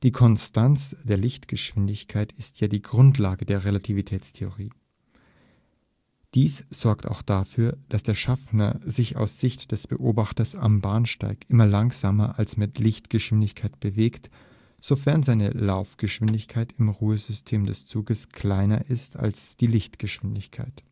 Konstanz der Lichtgeschwindigkeit ist ja die Grundlage der Relativitätstheorie. Dies sorgt auch dafür, dass der Schaffner sich aus Sicht des Beobachters am Bahnsteig immer langsamer als mit Lichtgeschwindigkeit bewegt, sofern seine Laufgeschwindigkeit im Ruhesystem des Zuges kleiner ist als die Lichtgeschwindigkeit